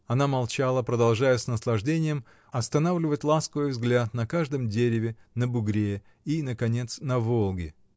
Она молчала, продолжая с наслаждением останавливать ласковый взгляд на каждом дереве, на бугре и, наконец, на Волге.